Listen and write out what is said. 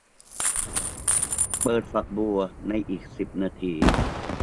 เปิดฝักบัวในอีกสิบนาที